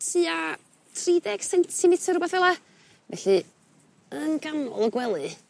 tua tri deg sentimiter rwbeth fel 'a felly yn ganol y gwely